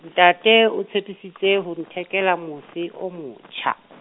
ntate, o tshepisitse ho nthekela mose o motjha.